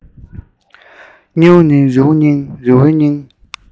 སྙི བ ནི རི བོའི སྙིང